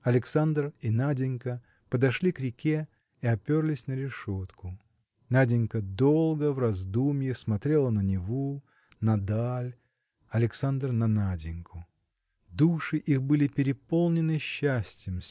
Александр и Наденька подошли к реке и оперлись на решетку. Наденька долго в раздумье смотрела на Неву на даль Александр на Наденьку. Души их были переполнены счастьем